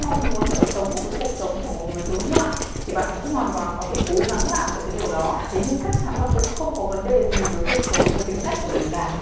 mong muốn được sống một cuộc sống của một người hướng ngoại thì bạn cũng hoàn toàn có thể cố gắng làm được cái điều đó thế nhưng chắc chắn là cũng không có vấn đề gì với việc sống với tính cách của mình cả